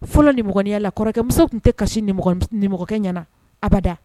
Fɔlɔ niya la kɔrɔkɛmuso tun tɛ kasimɔgɔkɛ ɲɛnaana abada